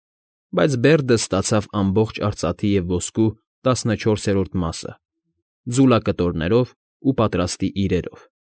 Բայց Բերդն ստացավ ամբողջ արծաթի և ոսկու տասնչորսերորդ մասը ձուլակտորներով ու պատրաստի իրերով։